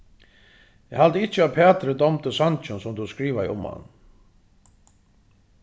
eg haldi ikki at pæturi dámdi sangin sum tú skrivaði um hann